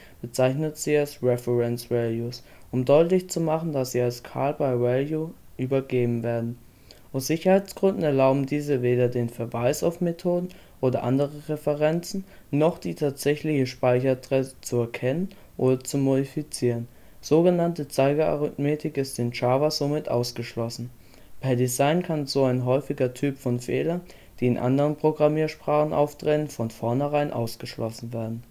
bezeichnet sie als „ Reference Values “um deutlich zu machen, dass sie als Call by value übergeben werden. Aus Sicherheitsgründen erlauben diese weder den Verweis auf Methoden oder andere Referenzen, noch die tatsächliche Speicheradresse zu erkennen oder zu modifizieren. So genannte Zeigerarithmetik ist in Java somit ausgeschlossen. Per Design kann so ein häufiger Typ von Fehlern, die in anderen Programmiersprachen auftreten, von vornherein ausgeschlossen